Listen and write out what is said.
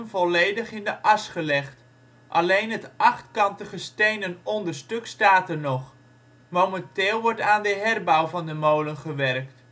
volledig in de as gelegd. Alleen het achtkantige stenen onderstuk staat er nog. Momenteel wordt aan de herbouw van de molen gewerkt